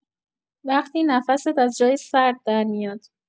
وقتی نفست از جای سرد درمیاد